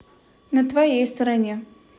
на твоей стороне